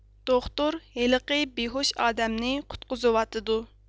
دوختۇر ھېلىقى بىھۇش ئادەمنى قۇتقۇزۇۋاتىدۇ